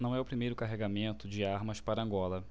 não é o primeiro carregamento de armas para angola